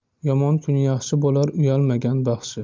yomon kun yaxshi bo'lar uyalmagan baxshi